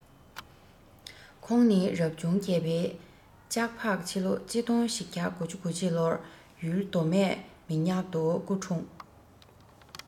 ཁོང ནི རབ བྱུང བརྒྱད པའི ལྕགས ཕག ཕྱི ལོ ༡༤༩༡ ལོར ཡུལ མདོ སྨད མི ཉག ཏུ སྐུ འཁྲུངས